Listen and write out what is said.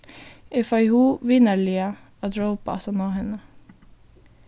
eg fái hug vinarliga at rópa aftaná henni